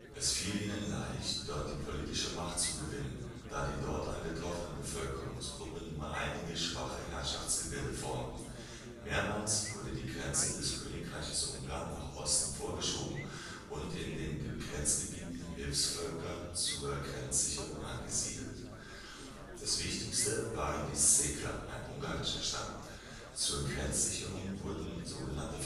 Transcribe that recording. Es fiel ihnen leicht, dort die politische Macht zu gewinnen, da die dort angetroffenen Bevölkerungsgruppen nur einige schwache Herrschaftsgebilde formten. Mehrmals wurde die Grenze des Königreiches Ungarn nach Osten vorgeschoben und in den Grenzgebieten Hilfsvölker zur Grenzsicherung angesiedelt. Das wichtigste waren die Székler (ein ungarischer Stamm). Zur Grenzsicherung wurden sog.